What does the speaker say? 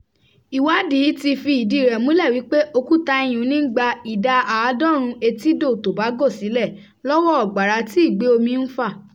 Ìwádìí ti fi ìdíi rẹ̀ múlẹ̀ wípé òkúta iyùn ní ń gba ìdá 90 etídò Tobago sílẹ̀-lọ́wọ́ ọ̀gbàrá tí ìgbé omi ń fà.